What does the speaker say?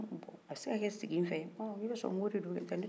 n k'i b'a sɔrɔ n k'o de don n'otɛ ne tɛ foyi ɲɛdɔn a la ne kɔnin ye tunkara ye